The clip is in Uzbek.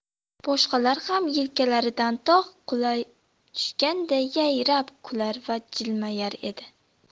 boshqalar ham yelkalaridan tog' qulab tushganday yayrab kular va jilmayar edi